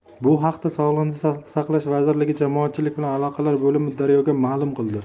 bu haqda sog'liqni saqlash vazirligi jamoatchilik bilan aloqalar bo'limi daryoga ma'lum qildi